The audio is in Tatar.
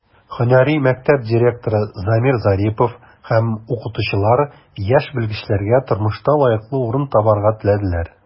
Һөнәри мәктәп директоры Замир Зарипов һәм укытучылар яшь белгечләргә тормышта лаеклы урын табарга теләделәр.